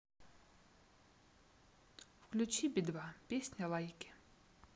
включи би два песня лайки